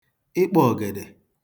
ịkpọ̀ ògèdè